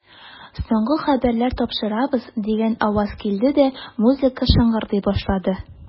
Соңгы хәбәрләр тапшырабыз, дигән аваз килде дә, музыка шыңгырдый башлады.